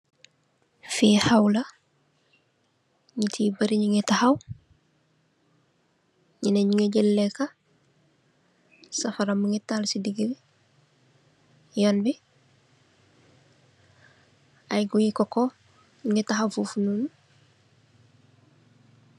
Fii heww la, nitt yi bari njungeh takhaw, njenen njungeh jeul lehkah, safara mungy taal cii digi yon bii, aiiy guiy coco njungy takhaw fofu.